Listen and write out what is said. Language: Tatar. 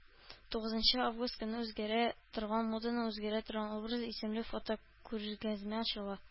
Тугызынчы август көнне “Үзгәрә торган моданың үзгәрә торган образы” исемле фотокүргәзмә ачыла